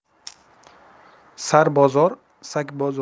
sarbozor sakbozor